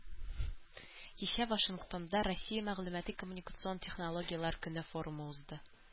Кичә Вашингтонда “Россия мәгълүмати-коммуникацион технологияләр көне” форумы узды.